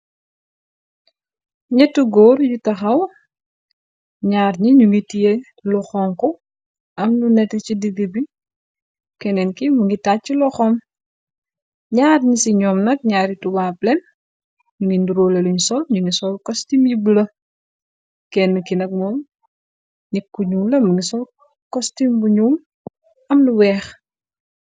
Ñatti góor yu taxaw, ñaar ñi ñu ngi tiye lu xonxu, am lu nétté si diggi bi, keneen ki mu ngi tàacu loxom, ñaar ñi si ñoom nak, ñaari tubaab leñ, ñu ngi niróole luñ sol. Ñu ngi sol kostin yu bula. kennë ki nak, mom nit ku ñuul la mu ngi sol kostim bu ñuul, am lu weex.